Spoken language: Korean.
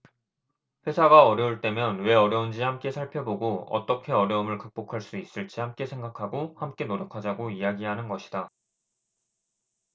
회사가 어려울 때면 왜 어려운지 함께 살펴보고 어떻게 어려움을 극복할 수 있을지 함께 생각하고 함께 노력하자고 이야기하는 것이다